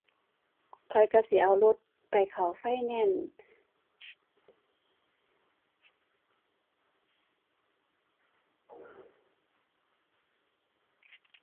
ข้อยก็สิเอารถไปเข้าไฟแนนซ์